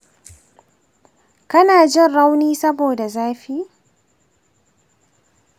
kana jin rauni saboda zafi?